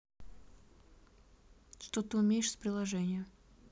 что ты умеешь из приложения